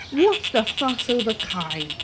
What's the fuss over Kai?